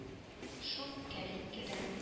Шул кәлиткәдән